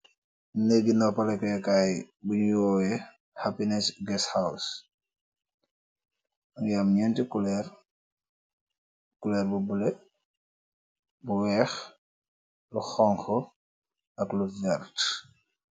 Neeh keeh noopaleh kooh gaai , mukeeh woyeh happiness guest house, mukeeh emm jeneet ti culoor , culoor bu bulo , bu weeh , bu honho ak lu werta.